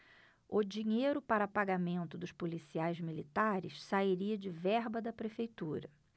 o dinheiro para pagamento dos policiais militares sairia de verba da prefeitura